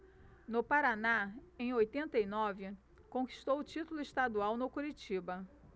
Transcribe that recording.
no paraná em oitenta e nove conquistou o título estadual no curitiba